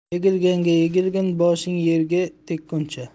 egilganga egilgin boshing yerga tekkuncha